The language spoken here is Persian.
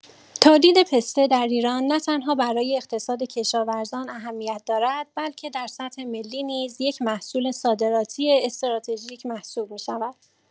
تولید پسته در ایران نه‌تنها برای اقتصاد کشاورزان اهمیت دارد، بلکه در سطح ملی نیز یک محصول صادراتی استراتژیک محسوب می‌شود.